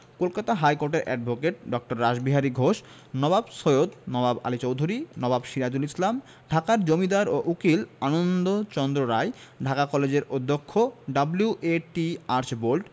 কলকাতা হাইকোর্টের অ্যাডভোকেট ড. রাসবিহারী ঘোষ নবাব সৈয়দ নওয়াব আলী চৌধুরী নবাব সিরাজুল ইসলাম ঢাকার জমিদার ও উকিল আনন্দচন্দ্র রায় ঢাকা কলেজের অধ্যক্ষ ডব্লিউ.এ.টি আর্চবোল্ড